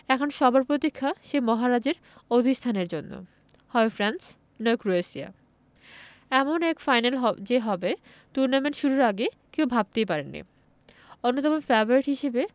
এখন সবার প্রতীক্ষা সেই মহারাজের অধিষ্ঠানের জন্য হয় ফ্রান্স নয় ক্রোয়েশিয়া এমন এক ফাইনাল হবে যে হবে টুর্নামেন্ট শুরুর আগে কেউ ভাবতে পারেননি অন্যতম ফেভারিট হিসেবে